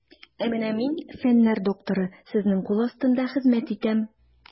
Ә менә мин, фәннәр докторы, сезнең кул астында хезмәт итәм.